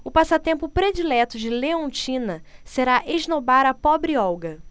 o passatempo predileto de leontina será esnobar a pobre olga